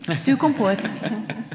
du kom på.